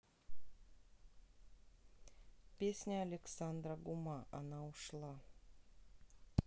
песня александра гума она ушла